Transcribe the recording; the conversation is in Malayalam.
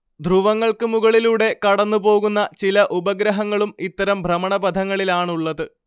ധ്രുവങ്ങൾക്കു മുകളിലൂടെ കടന്നുപോകുന്ന ചില ഉപഗ്രഹങ്ങളും ഇത്തരം ഭ്രമണപഥങ്ങളിലാണുള്ളതു്